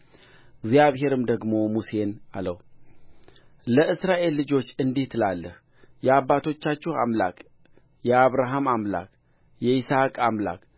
እግዚአብሔርም ደግሞ ሙሴን አለው ለእስራኤል ልጆች እንዲህ ትላለህ የአባቶቻችሁ አምላክ የአብርሃም አምላክ የይስሐቅም አምላክ